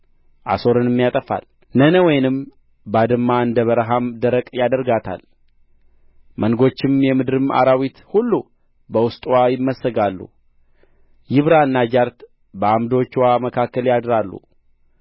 አሦርንም ያጠፋል ነነዌንም ባድማ እንደ በረሃም ደረቅ ያደርጋታል መንጎችም የምድርም አራዊት ሁሉ በውስጥዋ ይመሰጋሉ ይብራና ጃርት በዓምዶችዋ መካከል ያድራሉ